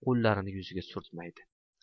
qo'llarini yuziga surtmaydi